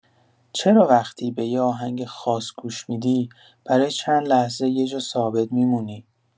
چرا وقتی به یه آهنگ خاص گوش می‌دی، برای چند لحظه یه جا ثابت می‌مونی؟